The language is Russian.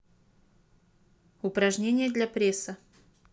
упражнение для пресса